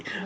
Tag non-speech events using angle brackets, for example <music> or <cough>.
<hesitation> <hesitation>